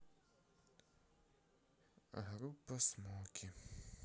группа смоки